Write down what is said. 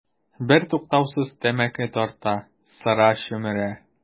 Бертуктаусыз тәмәке тарта, сыра чөмерә.